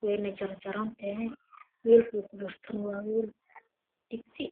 weyne jar jaran tahay welkey ku jirtana waa weel digsi